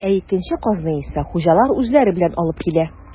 Ә икенче казны исә хуҗалар үзләре белән алып китә.